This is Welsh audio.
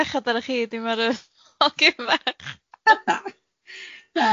Bechod arna chi dim ar y hogyn bach.